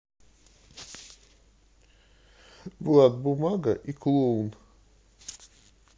влад бумага и клоун